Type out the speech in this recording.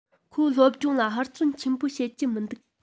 ཁོས སློབ སྦྱོང ལ ཧུར བརྩོན ཆེན པོ བྱེད ཀྱི མི འདུག